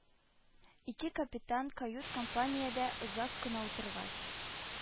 Ике капитан, кают-компаниядә озак кына утыргач,